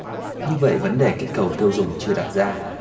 như vậy vấn đề kích cầu tiêu dùng chưa đặt ra